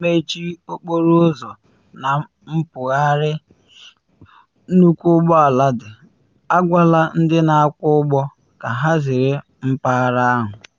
Mmechi okporo ụzọ na mbugharị nnukwu ụgbọ ala dị, agwala ndị na akwọ ụgbọ ka ha zere mpaghara ahụ.